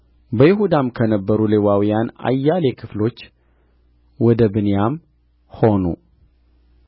በይሁዳም ከነበሩ ሌዋውያን አያሌ ክፍሎች ወደ ብንያም ሆኑ